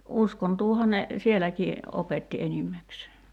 uskontoahan ne sielläkin opetti enimmäkseen